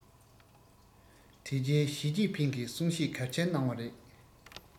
དེ རྗེས ཞིས ཅིན ཕིང གིས གསུང བཤད གལ ཆེན གནང བ རེད